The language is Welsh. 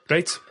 Reit